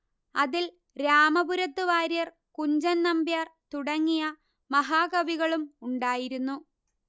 അതിൽ രാമപുരത്തു വാര്യർ കുഞ്ചൻ നമ്പ്യാർ തുടങ്ങിയ മഹാകവികളും ഉണ്ടായിരുന്നു